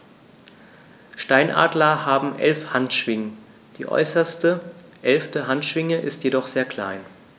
Steinadler haben 11 Handschwingen, die äußerste (11.) Handschwinge ist jedoch sehr klein.